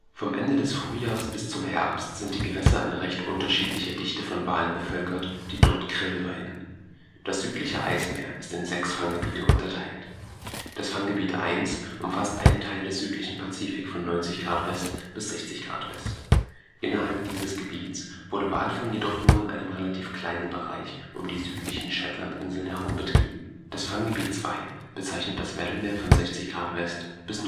Vom Ende des Frühjahrs bis zum Herbst sind die Gewässer in recht unterschiedlicher Dichte von Walen bevölkert, die dort Krill weiden. Das Südliche Eismeer ist in sechs Fanggebiete unterteilt. Das Fanggebiet I umfasst einen Teil des südlichen Pazifik vom 90° West bis 60° West. Innerhalb dieses Gebiets wurde Walfang jedoch nur in einem relativ kleinen Bereich um die Südlichen Shetlandinseln herum betrieben. Das Fanggebiet II bezeichnet das Weddell-Meer von 60° West bis